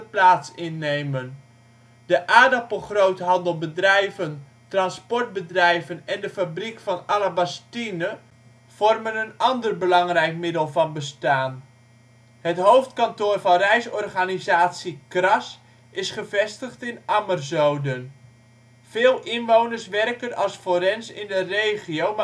plaats innemen. De aardappelgroothandelbedrijven, transportbedrijven en de fabriek van Alabastine vormen een ander belangrijk middel van bestaan. Het hoofdkantoor van reisorganisatie Kras is gevestigd in Ammerzoden. Veel inwoners werken als forens in de regio